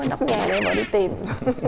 nóc nhà để vợ đi tìm